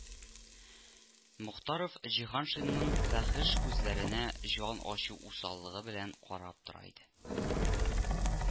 Мохтаров Җиһаншинның фәхеш күзләренә җан ачу усаллыгы белән карап тора иде